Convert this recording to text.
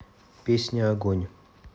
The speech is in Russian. песня огонь